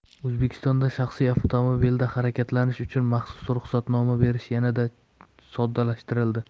o'zbekistonda shaxsiy avtomobilda harakatlanish uchun maxsus ruxsatnoma berish yanada soddalashtirildi